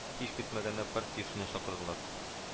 Һич көтмәгәндә партия эшенә чакырдылар